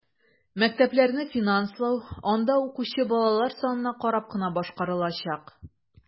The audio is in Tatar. Мәктәпләрне финанслау анда укучы балалар санына карап кына башкарылачак.